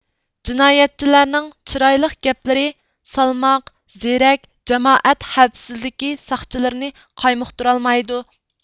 جىنايەتچىلەرنىڭ چىرايلىق گەپلىرى سالماق زېرەك جامائەت خەۋپسىزلىكى ساقچىلىرىنى قايمۇقتۇرالمايدۇ